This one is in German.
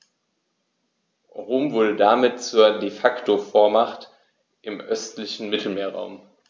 Rom wurde damit zur ‚De-Facto-Vormacht‘ im östlichen Mittelmeerraum.